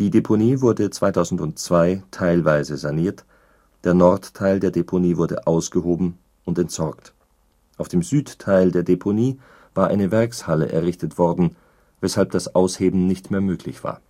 Deponie wurde 2002 teilweise saniert, der Nordteil der Deponie wurde ausgehoben und entsorgt. Auf dem Südteil der Deponie war eine Werkshalle errichtet worden, weshalb das Ausheben nicht mehr möglich war